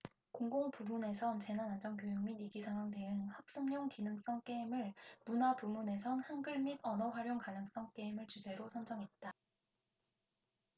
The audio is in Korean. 공공 부문에선 재난안전교육 및 위기상황 대응 학습용 기능성 게임을 문화 부문에선 한글 및 언어활용 기능성 게임을 주제로 선정했다